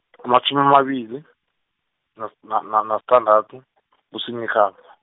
amatjhumi amabili , nas- na-na- nasithandathu, kuSinyikhaba.